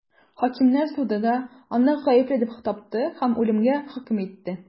Хакимнәр суды да аны гаепле дип тапты һәм үлемгә хөкем итте.